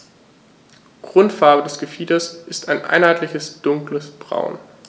Grundfarbe des Gefieders ist ein einheitliches dunkles Braun.